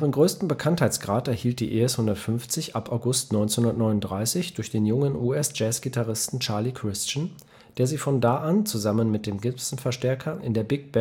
größten Bekanntheitsgrad erhielt die ES-150 ab August 1939 durch den jungen US-Jazzgitarristen Charlie Christian, der sie von da an zusammen mit dem Gibson-Verstärker in der Big